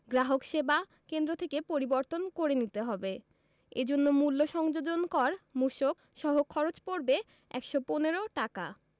গ্রাহকসেবা কেন্দ্র থেকে পরিবর্তন করে নিতে হবে এ জন্য মূল্য সংযোজন কর মূসক সহ খরচ পড়বে ১১৫ টাকা